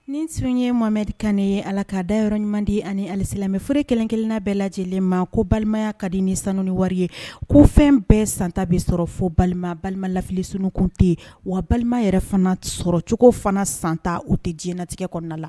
Nin tun ye mamameri kanen ye ala ka dayɔrɔ ɲuman di ani alisimɛ furere kelen-kelenna bɛɛ lajɛ lajɛlen ma ko balimaya ka di ni sanu ni wari ye ko fɛn bɛɛ santa bɛ sɔrɔ fɔ balima balima lafifiliskunte yen wa balima yɛrɛ fana sɔrɔcogo fana san tan o tɛ diɲɛɲɛnatigɛ kɔnɔna la